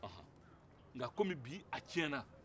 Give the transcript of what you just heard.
nka komi bi a ciyɛna